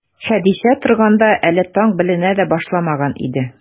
Хәдичә торганда, әле таң беленә дә башламаган иде.